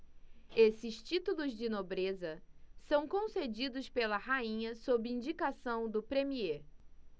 esses títulos de nobreza são concedidos pela rainha sob indicação do premiê